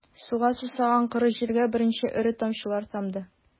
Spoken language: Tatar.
Суга сусаган коры җиргә беренче эре тамчылар тамды...